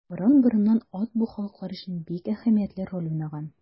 Борын-борыннан ат бу халыклар өчен бик әһәмиятле роль уйнаган.